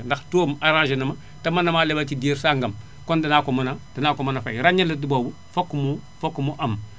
ndax taux wam arrangé na ma te mën na maa lebal ci diir sàngam kon dinaa ko mën a dinaa ko mën a fay ràññale boobu fokk mu fokk mu am